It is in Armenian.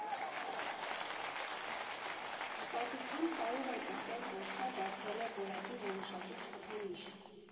Հպարտությամբ կարող եմ ասել, որ սա դարձել է որակի որոշակի չափանիշ։